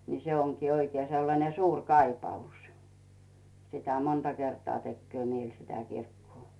niin se onkin oikein sellainen suuri kaipaus sitä monta kertaa tekee mieli sitä kirkkoa